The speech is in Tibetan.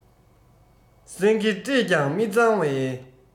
སེང གེ བཀྲེས ཀྱང མི གཙང བའི